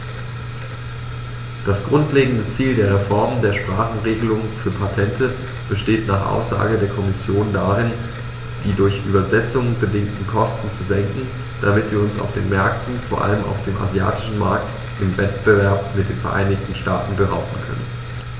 Das grundlegende Ziel der Reform der Sprachenregelung für Patente besteht nach Aussage der Kommission darin, die durch Übersetzungen bedingten Kosten zu senken, damit wir uns auf den Märkten, vor allem auf dem asiatischen Markt, im Wettbewerb mit den Vereinigten Staaten behaupten können.